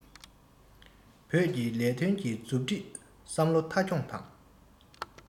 བོད ཀྱི ལས དོན གྱི མཛུབ ཁྲིད བསམ བློ མཐའ འཁྱོངས དང